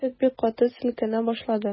Ишек бик каты селкенә башлады.